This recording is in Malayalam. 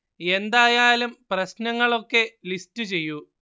എന്തായാലും പ്രശ്നങ്ങൾ ഒക്കെ ലിസ്റ്റ് ചെയ്യൂ